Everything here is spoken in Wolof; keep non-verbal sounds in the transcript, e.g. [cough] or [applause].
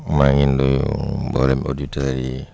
maa ngi nuyu [hesitation] mboolem auditeurs yi